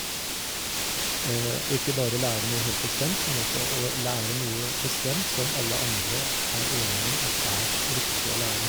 Og ikke bare lære noe helt bestemt, men også å lære noe bestemt som også alle andre er enig om at er riktig å lære.